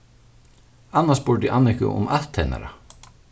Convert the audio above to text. anna spurdi anniku um ætt hennara